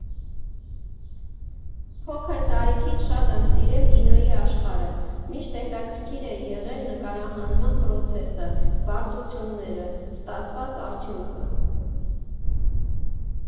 Փոքր տարիքից շատ եմ սիրել կինոյի աշխարհը, միշտ հետաքրքիր է եղել նկարահանման պրոցեսը, բարդությունները, ստացված արդյունքը։